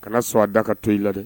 ka na sɔ a da ka to i la dɛ.